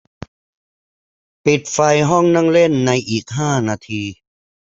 ปิดไฟห้องนั่งเล่นในอีกห้านาที